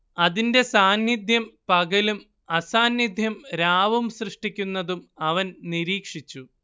അതിന്റെ സാന്നിദ്ധ്യം പകലും അസാന്നിദ്ധ്യം രാവും സൃഷ്ടിക്കുന്നതും അവൻ നിരീക്ഷിച്ചു